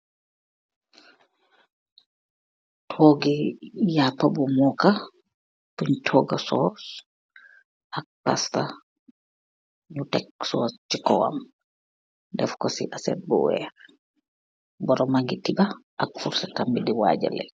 Togi yapa bu moka, bun toga soss, ak pasta. Nyu tek soss chi kawam defko si asset bu weakh. Boromangi tiba ak furset tambi di waja leka.